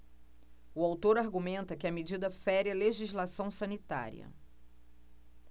o autor argumenta que a medida fere a legislação sanitária